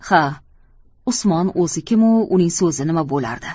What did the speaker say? ha usmon o'zi kimu uning so'zi nima bo'lardi